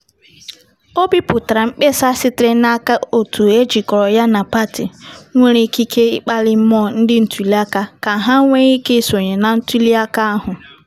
O bipụtara mkpesa sitere n'aka òtù e jikọrọ ya na pati nwere ikike ịkpali mmụọ ndị ntuliaka ka ha nwee ike isonye na ntuli aka ahụ